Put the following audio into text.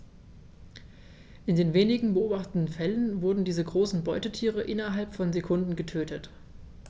In den wenigen beobachteten Fällen wurden diese großen Beutetiere innerhalb von Sekunden getötet.